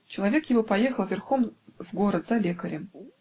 Человек его поехал верхом в город за лекарем.